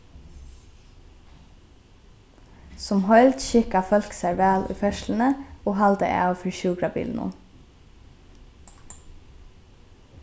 sum heild skikka fólk sær væl í ferðsluni og halda av fyri sjúkrabilinum